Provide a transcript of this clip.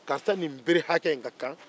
karisa ni nin bere hakɛ in ka kan